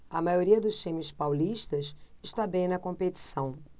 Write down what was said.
a maioria dos times paulistas está bem na competição